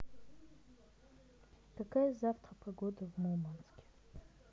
какая завтра погода в мурманске